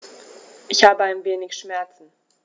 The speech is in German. Ich habe ein wenig Schmerzen.